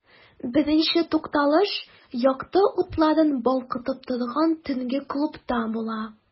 Беренче тукталыш якты утларын балкытып торган төнге клубта була.